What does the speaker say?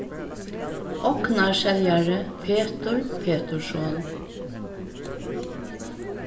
ognarseljari petur peturson